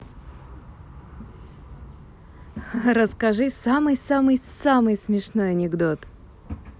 расскажи самый самый самый смешной анекдот